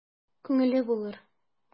Күңеле булыр...